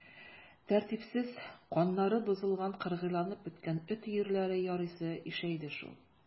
Тәртипсез, каннары бозылган, кыргыйланып беткән эт өерләре ярыйсы ишәйде шул.